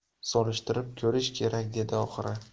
surishtirib ko'rish kerak dedi oxiri